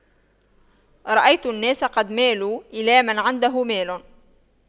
رأيت الناس قد مالوا إلى من عنده مال